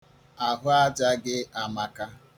Ahụaja gị amaka.